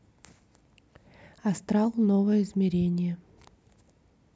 астрал новое измерение